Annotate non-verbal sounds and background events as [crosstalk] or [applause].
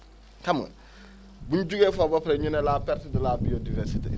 xam nga [breath] bu ñu jugee foofu après ñu ne la perte [noise] de la biodiversité